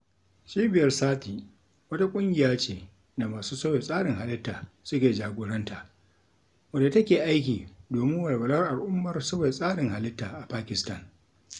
Cibiyar Sathi wata ƙungiya ce da masu sauya tsarin halitta suke jagoranta, wadda take aiki domin walwalar al'ummar sauya tsarin halitta a Pakistan.